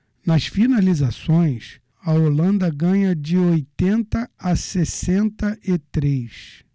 nas finalizações a holanda ganha de oitenta a sessenta e três